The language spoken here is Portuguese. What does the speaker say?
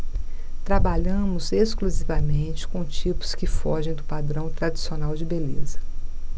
trabalhamos exclusivamente com tipos que fogem do padrão tradicional de beleza